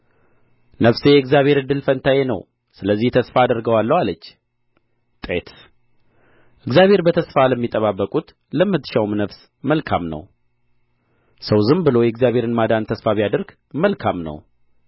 ነፍሴ እግዚአብሔር እድል ፈንታዬ ነው ስለዚህ ተስፋ አደርገዋለሁ አለች ጤት እግዚአብሔር በተስፋ ለሚጠብቁት ለምትሻውም ነፍስ መልካም ነው ሰው ዝም ብሎ የእግዚአብሔርን ማዳን ተስፋ ቢያደርግ መልካም ነው